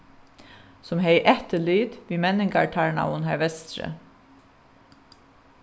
sum hevði eftirlit við menningartarnaðum har vesturi